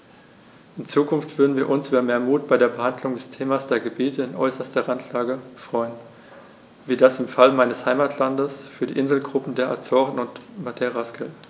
In Zukunft würden wir uns über mehr Mut bei der Behandlung des Themas der Gebiete in äußerster Randlage freuen, wie das im Fall meines Heimatlandes für die Inselgruppen der Azoren und Madeiras gilt.